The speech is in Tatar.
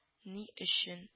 Ни өчен